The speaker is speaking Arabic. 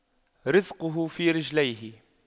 رِزْقُه في رجليه